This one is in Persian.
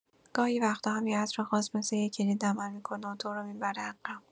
گاهی وقتا هم یه عطر خاص مثل یه کلید عمل می‌کنه و تو رو می‌بره عقب.